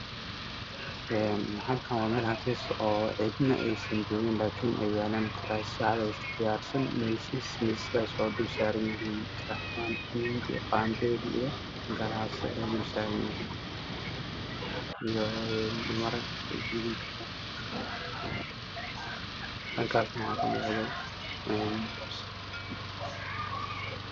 Een halkaan waa mel xafiis cidna aysan joogin